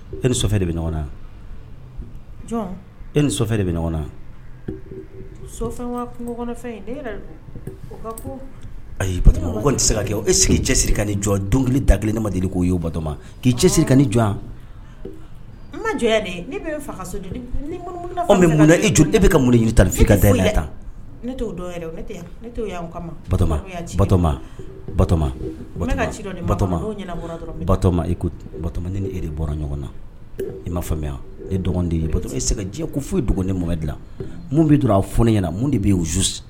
E ni de bɛ e ni de bɛ ɲɔgɔn na e sigi cɛ siri ka jɔ dɔnkili da kelen ne ma de ko'oto k'i cɛ ka ni jɔ mun e bɛ ka mun tan ni ka da tan e de bɔra ɲɔgɔn na i maa faamuya e dɔgɔninden ko foyi i dɔgɔnin mɔkɛ dila mun bɛ don a f ɲɛna mun de b bɛ